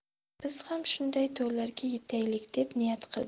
biz ham shunday to'ylarga yetaylik deb niyat qildik